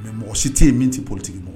Mɛ mɔgɔ si tɛ yen min tɛ politigi ma